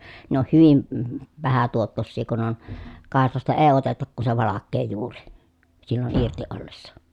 ne on hyvin - vähän tuottoisia kun on kaislasta ei oteta kuin se valkea juuri silloin irti ollessa